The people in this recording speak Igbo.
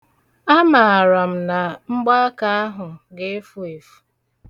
Amaara m na mgbaaka ahụ ga-efu efu.